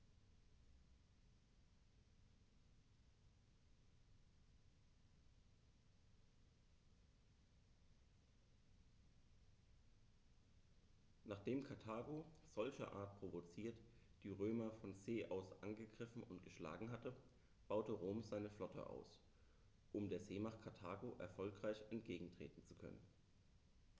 Nachdem Karthago, solcherart provoziert, die Römer von See aus angegriffen und geschlagen hatte, baute Rom seine Flotte aus, um der Seemacht Karthago erfolgreich entgegentreten zu können.